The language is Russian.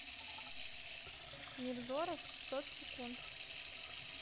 невзоров шестьсот секунд